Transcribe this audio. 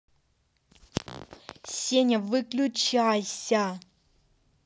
сеня выключайся